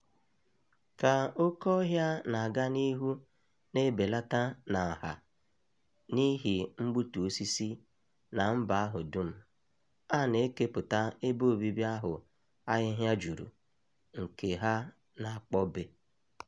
Ka oke ọhịa na-aga n'ihu na-ebelata na nha n'ihi mgbutu osisi na mba ahụ dum, a na-ekepụta ebe obibi ahụ ahịhịa juru nke ha na-akpọ bé.